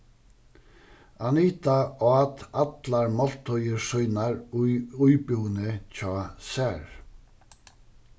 anita át allar máltíðir sínar í íbúðini hjá sær